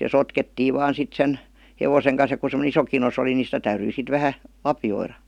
ja sotkettiin vain sitten sen hevosen kanssa ja kun semmoinen iso kinos oli niin sitä täytyi sitten vähän lapioida